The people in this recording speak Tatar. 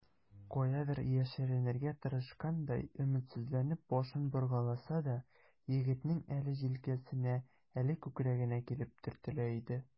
Каядыр яшеренергә тырышкандай, өметсезләнеп башын боргаласа да, егетнең әле җилкәсенә, әле күкрәгенә килеп төртелә иде.